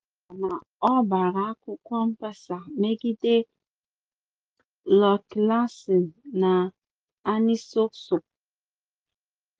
A kọrọ na ọ gbara akwụkwọ mkpesa megide #LoicLawson na #AnaniSossou.